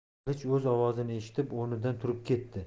qilich o'z ovozini eshitib o'rnidan turib ketdi